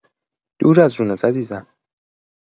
دور از جونت عزیزم!